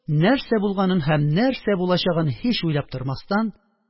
Нәрсә булганын һәм нәрсә булачагын һич уйлап тормастан,